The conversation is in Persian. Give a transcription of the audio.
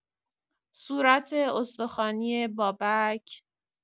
صورت استخوانی بابک